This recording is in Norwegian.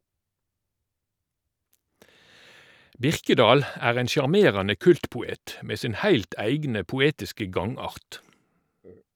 Birkedal er ein sjarmerande kultpoet med sin heilt eigne poetiske gangart.